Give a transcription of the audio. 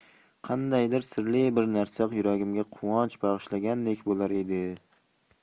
qandaydir sirli bir narsa yuragimga quvonch bag'ishlagandek bo'lar edi